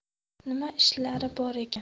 nima ishlari bor ekan